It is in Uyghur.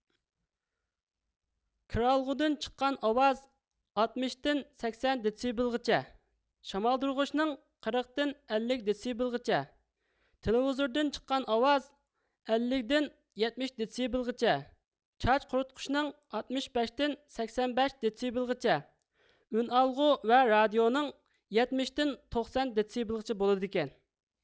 كىرئالغۇدىن چىققان ئاۋاز ئاتمىشتىن سەكسەن دېتسبېلغىچە شامالدۇرغۇچنىڭ قىرىقتىن ئەللىك دېتسبېلغىچە تېلېۋىزوردىن چىققان ئاۋاز ئەللىكتىن يەتمىش دېتسبېلغىچە چاچ قۇرۇتقۇچنىڭ ئاتمىش بەشتىن سەكسەن بەش دېتسبېلغىچە ئۈنئالغۇ ۋە رادىئونىڭ يەتمىشتىن توقسەن دېتسىبېلغىچە بولىدىكەن